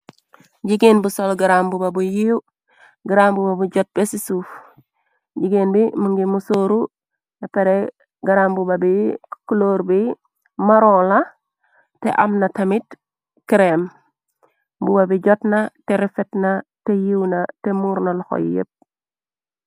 Jigeen bu sol grambuba bu yiiw, grambuba bu jot beci suuf, jigéen bi më ngi musooru ba pere garambuba bi, kulur bi maroon la, te am na tamit kreem, mbuba bi jot na, te rufetna, te yiiw na, te muur na loxo yi yépp.